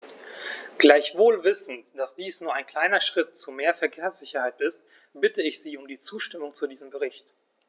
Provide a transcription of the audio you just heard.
Gleichwohl wissend, dass dies nur ein kleiner Schritt zu mehr Verkehrssicherheit ist, bitte ich Sie um die Zustimmung zu diesem Bericht.